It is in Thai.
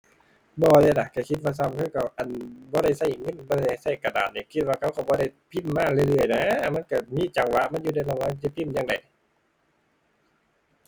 บ่เดะล่ะ ก็คิดว่าส่ำคือเก่า อั่น บ่ได้ก็เงิน บ่น่าจะก็กระดาษเดะ คิดว่าเขาก็บ่ได้พิมพ์มาเรื่อยเรื่อยนะ มันก็มีจังหวะมันอยู่เดะล่ะ ว่าก็สิพิมพ์จั่งใด